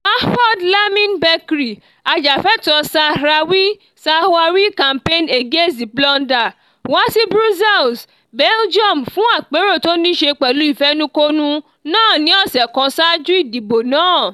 Mahfoud Lamin Bechri, ajàfẹ́tọ̀ọ́ Sahrawi, Sahrawi Campaign Against the Plunder (SCAP), wá sí Brussels, Belgium fún àpérò tó nii ṣe pẹ̀lú ìfẹnukonu náà ni ọ̀sẹ̀ kan ṣáájú ìdìbò náà.